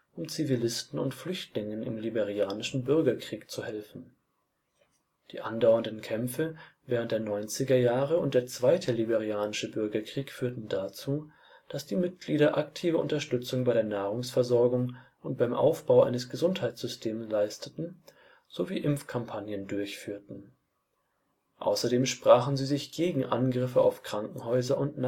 um Zivilisten und Flüchtlingen im liberianischen Bürgerkrieg zu helfen. Die andauernden Kämpfe während der neunziger Jahre und der zweite liberianische Bürgerkrieg führten dazu, dass die Mitglieder aktive Unterstützung bei der Nahrungsversorgung und beim Aufbau eines Gesundheitssystems leisteten sowie Impfkampagnen durchführten. Außerdem sprachen sie sich gegen Angriffe auf Krankenhäuser und Nahrungsversorgungsstationen